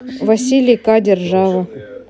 василий к держава